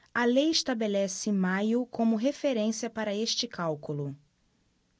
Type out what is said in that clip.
a lei estabelece maio como referência para este cálculo